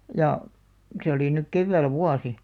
ja se oli nyt keväällä vuosi